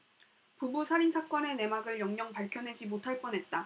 부부 살인 사건의 내막을 영영 밝혀내지 못할 뻔 했다